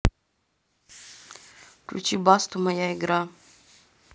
включи басту моя игра